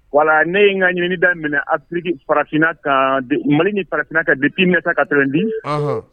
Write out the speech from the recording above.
Wa ne in n ka ɲin da minɛ aki farafinina ka mali ni farafinina ka diti ne kan ka trɛndi